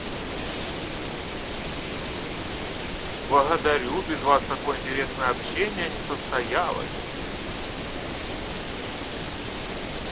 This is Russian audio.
благодарю без вас такое интересное общение не состоялось бы